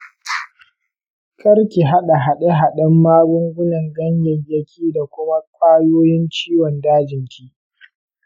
karki hada hade-haden magungunan ganyanki da kuma kwayoyn ciwon dajin ki.